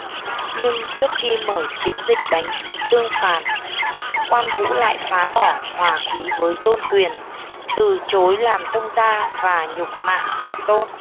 nhưng trước khi mở chiến dịch đánh tương phàn quan vũ lại phá bỏ hòa khí với tôn quyền từ chối làm thông gia và nhục mạ họ tôn